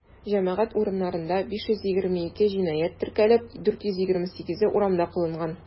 Җәмәгать урыннарында 522 җинаять теркәлеп, 428-е урамда кылынган.